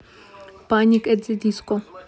паник эт зэ диско